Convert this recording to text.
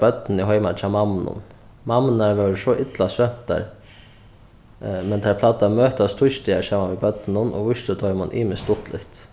børnini heima hjá mammunum mammurnar vóru so illa svøvntar men tær plagdu at møtast týsdagar saman við børnunum og vístu teimum ymiskt stuttligt